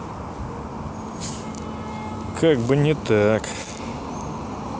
как бы не так